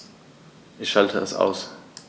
Ich schalte es aus.